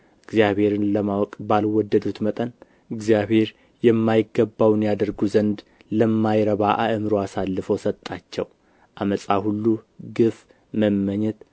እግዚአብሔርን ለማወቅ ባልወደዱት መጠን እግዚአብሔር የማይገባውን ያደርጉ ዘንድ ለማይረባ አእምሮ አሳልፎ ሰጣቸው ዓመፃ ሁሉ ግፍ መመኘት